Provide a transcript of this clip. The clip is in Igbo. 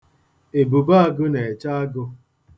Ebube agụ na-eche agụ.